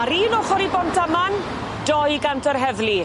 Ar un ochor i Bontaman, dou gant o'r heddlu.